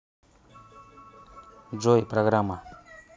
джой программа